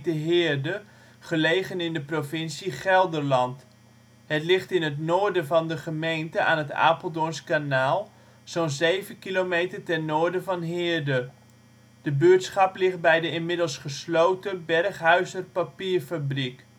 Heerde, gelegen in de provincie Gelderland. Het ligt in het noorden van de gemeente aan het Apeldoorns Kanaal, zo 'n zeven kilometer ten noorden van Heerde. De buurtschap ligt bij de inmiddels gesloten Berghuizer Papierfabriek